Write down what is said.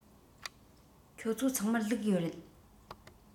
ཁྱོད ཚོ ཚང མར ལུག ཡོད རེད